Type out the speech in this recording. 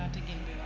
Tataguine bi waaw